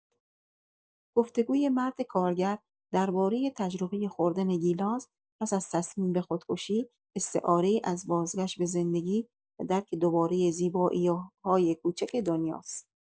گفت‌وگوی مرد کارگر دربارۀ تجربۀ خوردن گیلاس پس از تصمیم به خودکشی، استعاره‌ای از بازگشت به زندگی و درک دوبارۀ زیبایی‌های کوچک دنیاست.